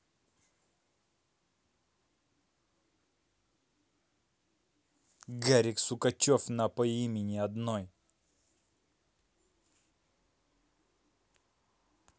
гарик сукачев на по имени одной